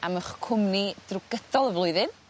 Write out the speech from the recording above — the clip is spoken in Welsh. am 'ych cwmni drw gydol y flwyddyn.